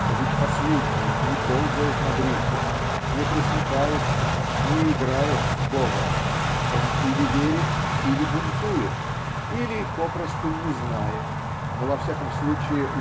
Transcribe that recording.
то ведь последний не ползает на брюхе не пресмыкается не играет с Богом он или верит или бунтует или попросту не знает но во всяком случае